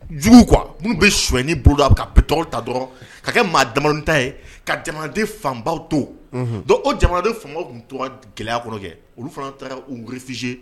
Jugu kuwa minnu bɛ sonni boloda ka ta dɔrɔn ka kɛ maa dama ta ye ka jamanaden fanba to don o jamana fan tun tora gɛlɛya kɔrɔ olu fana taara gfise